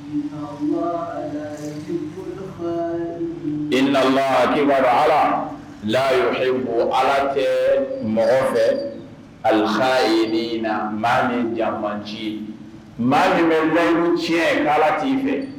I naba ala layi ye bɔ ala cɛ mɔgɔ fɛ alasa ye na maa min caman nci ye maa jumɛn bɛ bayiku tiɲɛ ala t'i fɛ